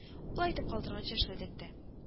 Ул әйтеп калдырганча эшләдек тә